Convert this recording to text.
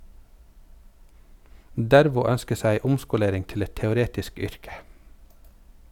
Dervo ønsker seg omskolering til et teoretisk yrke.